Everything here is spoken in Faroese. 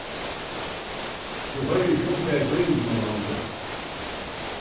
tú hoyrir ikki um tað í tíðindunum longur